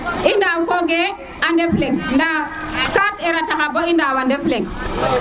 i ndaaw ko ge a Ndef leng nda 4R a taxa bo i ndawa ndef leng